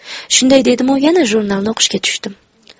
shunday dedimu yana jurnalni o'qishga tushdim